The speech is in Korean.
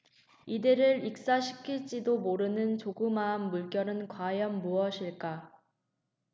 이들을 익사시킬지도 모르는 조그마한 물결은 과연 무엇일까